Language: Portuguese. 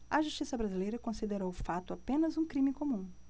a justiça brasileira considerou o fato apenas um crime comum